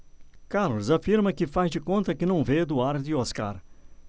carlos afirma que faz de conta que não vê eduardo e oscar